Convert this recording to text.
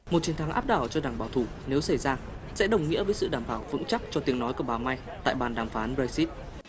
một chiến thắng áp đảo cho đảng bảo thủ nếu xảy ra sẽ đồng nghĩa với sự đảm bảo vững chắc cho tiếng nói của bà mai tại bàn đàm phán bờ re xít